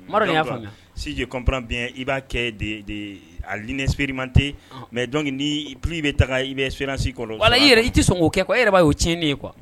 Y'a siji kɔnpbɛn i b'a kɛ alinɛ feereeremante mɛ ni p bɛ ta i bɛ fsi kɔnɔ i i tɛ sɔn k' kɛ ko e yɛrɛ b' y'o tiɲɛnin ye kuwa